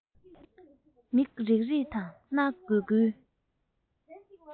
མིག རིག རིག དང སྣ འགུལ འགུལ